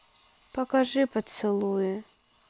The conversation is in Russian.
покажи поцелуи